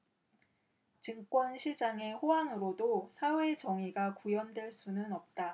증권 시장의 호황으로도 사회 정의가 구현될 수는 없다